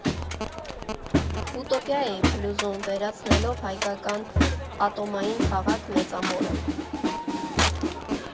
ՈՒՏՈՊԻԱ ԵՒ ՓԼՈՒԶՈՒՄ. ՎԵՐԱՆԱՅԵԼՈՎ ՀԱՅԿԱԿԱՆ ԱՏՈՄԱՅԻՆ ՔԱՂԱՔ ՄԵԾԱՄՈՐԸ։